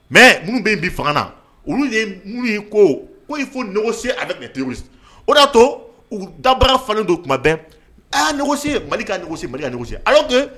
Mɛ minnu fanga na olu ko fo se mɛ o y'a to u dabarara falen don tuma bɛn ye mali ka mali a'o gɛn